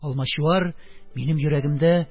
Алмачуар минем йөрәгемдә: